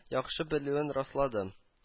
Яхшы белүен раслады